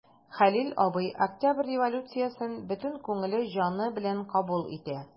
Хәлил абый Октябрь революциясен бөтен күңеле, җаны белән кабул итә.